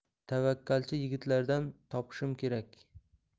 tavakkalchi yigitlardan topishim kerak